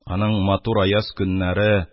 Аның матур аяз көннәре,